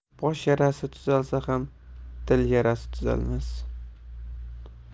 bosh yarasi tuzalsa ham dil yarasi tuzalmas